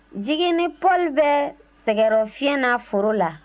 jigi ni paul bɛ sɛgɛnnafiɲɛ na foro la